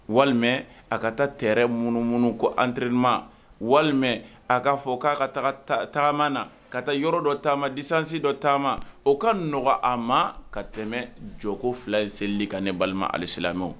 Walima a ka taa tɛ mununuunuunu ko antrma walima a k kaa fɔ k ko'a ka tagama na ka taa yɔrɔ dɔ taama disansi dɔ taama o ka n nɔgɔ a ma ka tɛmɛ jɔko fila in seli ka ne balima alisila